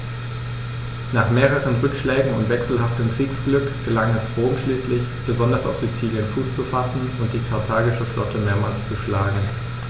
Nach mehreren Rückschlägen und wechselhaftem Kriegsglück gelang es Rom schließlich, besonders auf Sizilien Fuß zu fassen und die karthagische Flotte mehrmals zu schlagen.